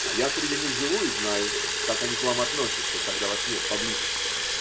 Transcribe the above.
а я среди них живу и знаю, как они к вам относятся, когда вас нет поблизости.